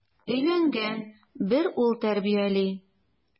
Өйләнгән, бер ул тәрбияли.